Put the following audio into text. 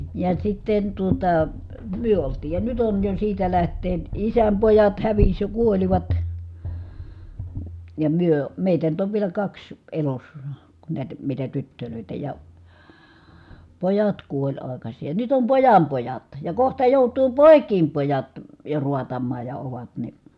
ja sitten tuota me oltiin ja nyt on jo siitä lähtien isän pojat hävisi ja kuolivat ja me meitä nyt on vielä kaksi elossa kun näitä mitä tyttöjä ja pojat kuoli aikaisin ja nyt on pojan pojat ja kohta joutuu poikien pojat jo raatamaan ja ovat niin